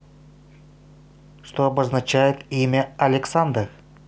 что обозначает имя александра